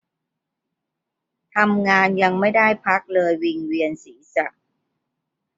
ทำงานยังไม่ได้พักเลยวิงเวียนศีรษะ